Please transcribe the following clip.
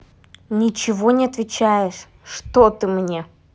ничего не отвечаешь что ты мне